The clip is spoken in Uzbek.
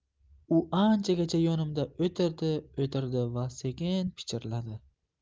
u anchagacha yonimda o'tirdi o'tirdi da sekin pichirladi